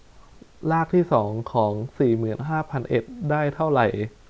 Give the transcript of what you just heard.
รากที่สองของสี่หมื่นห้าพันเอ็ดได้เท่าไหร่